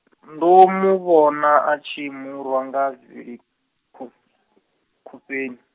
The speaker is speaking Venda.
ndo muvhona a tshi murwa nga vili, kho, khofheni.